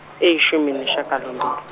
eyishumi neshagalolunye.